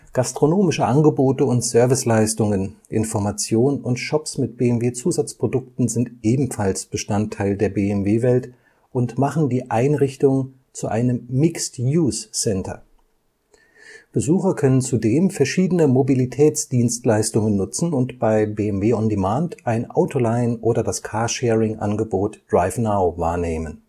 Gastronomische Angebote und Serviceleistungen, Information und Shops mit BMW-Zusatzprodukten sind ebenfalls Bestandteil der BMW Welt und machen die Einrichtung zu einem Mixed-Use-Center. Besucher können zudem verschiedene Mobilitätsdienstleistungen nutzen und bei BMW on Demand ein Auto leihen oder das Carsharing-Angebot DriveNow wahrnehmen